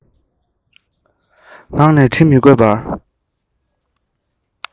མངགས ནས འདྲི མི དགོས པར